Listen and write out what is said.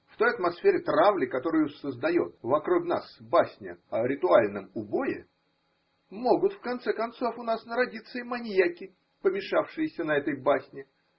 В той атмосфере травли, которую создает вокруг нас басня о ритуальном убое, могут в конце концов у нас народиться и маньяки, помешавшиеся на этой басне.